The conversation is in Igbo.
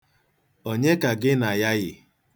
Onye ka gị na ya yị?